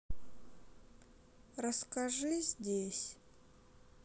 расскажи здесь